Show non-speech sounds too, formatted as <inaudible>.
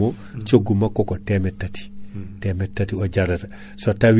ha wawa rende ɗum <breath> <hesitation> e cukagu mum